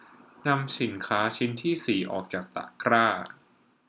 นำสินค้าชิ้นที่สี่ออกจากตะกร้า